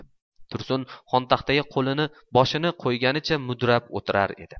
tursun xontaxtaga boshini qo'yganicha mudrab o'tirar edi